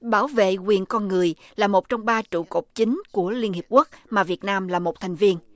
bảo vệ quyền con người là một trong ba trụ cột chính của liên hiệp quốc mà việt nam là một thành viên